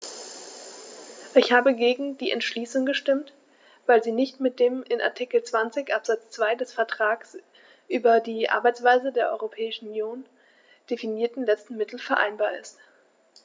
Ich habe gegen die Entschließung gestimmt, weil sie nicht mit dem in Artikel 20 Absatz 2 des Vertrags über die Arbeitsweise der Europäischen Union definierten letzten Mittel vereinbar ist.